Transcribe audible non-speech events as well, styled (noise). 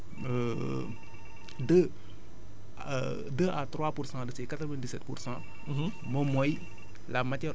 mais phase solide boobu noonu (hesitation) (noise) (hesitation) deux (hesitation) deux à trois pour cent ces quatre vingt dix sept pour cent